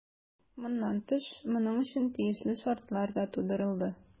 Моннан тыш, моның өчен тиешле шартлар да тудырылды.